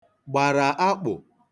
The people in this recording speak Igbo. gbàrà akpụ̀